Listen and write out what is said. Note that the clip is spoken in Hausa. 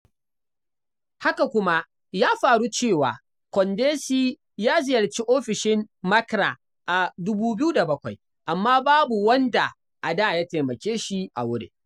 Haka kuma, ya faru cewa, Kondesi ya ziyarci ofisoshin MACRA a 2007, amma babu wanda a da ya taimake shi a wurin